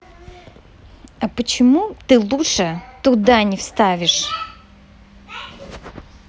а почему ты лучше туда не вставишь